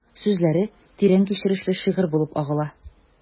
Сүзләре тирән кичерешле шигырь булып агыла...